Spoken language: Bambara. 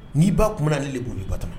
N'i ba kuma na